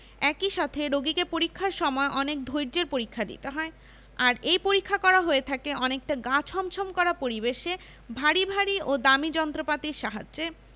একই সাথে রোগীকে পরীক্ষার সময় অনেক ধৈর্য্যের পরীক্ষা দিতে হয় আর এই পরীক্ষা করা হয়ে থাকে অনেকটা গা ছমছম করা পরিবেশে ভারী ভারী ও দামি যন্ত্রপাতির সাহায্যে